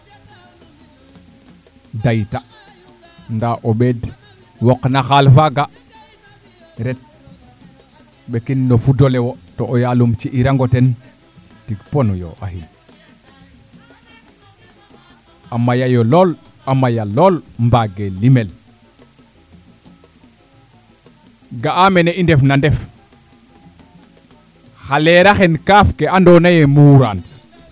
deyta nda o ɓeeɗwoq no xaal faga ret ɓekin no fudole wo to o yaaalum ci i rango ten tig ponu yo a maya yo lool a maya lool mbange limel ga'a mene i ndef na ndef xa leeraxe kaaf ke ando naye muraan